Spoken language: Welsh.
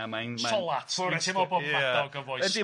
A mae'n... Solat!...